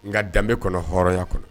Nka danbe kɔnɔ hɔrɔnya kɔnɔ